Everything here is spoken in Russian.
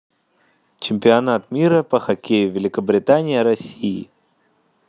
чемпионат мира по хоккею великобритания россии